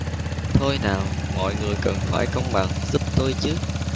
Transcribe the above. thôi nào mọi người cần phải công bằng giúp tôi chứ